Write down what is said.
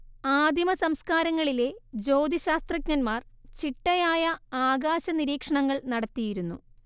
ആദിമസംസ്കാരങ്ങളിലെ ജ്യോതിശ്ശാസ്ത്രജ്ഞന്മാർ ചിട്ടയായ ആകാശനിരീക്ഷണങ്ങൾ നടത്തിയിരുന്നു